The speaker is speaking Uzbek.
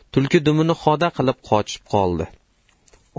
tulki dumini xoda qilib qochib qoldi